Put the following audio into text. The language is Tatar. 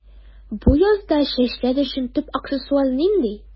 Бу язда чәчләр өчен төп аксессуар нинди?